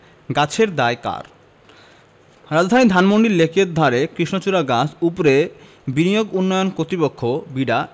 গাছের দায় কার রাজধানীর ধানমন্ডি লেকের ধারে কৃষ্ণচূড়া গাছ উপড়ে বিনিয়োগ উন্নয়ন কর্তৃপক্ষ বিডা